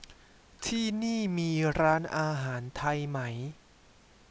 ที่นี่มีร้านอาหารไทยไหม